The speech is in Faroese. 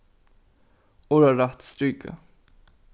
orðarætt strika